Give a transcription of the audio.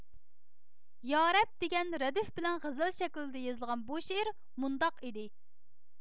يارەب دېگەن رەدىف بىلەن غەزەل شەكلىدە يېزىلغان بۇ شېئىر مۇنداق ئىدى